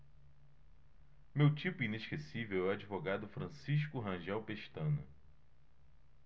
meu tipo inesquecível é o advogado francisco rangel pestana